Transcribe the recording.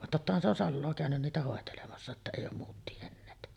vaan tottahan se on salaa käynyt niitä hoitelemassa että ei ole muut tienneet